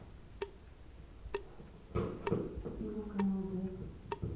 фильм комедия